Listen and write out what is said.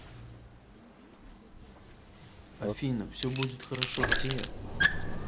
афина все будет хорошо где